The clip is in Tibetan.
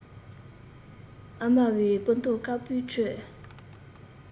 ཨ མའི སྤུ མདོག དཀར པོའི ཁྲོད